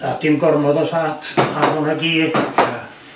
a dim gormod o fat a oedd hwnna gyd.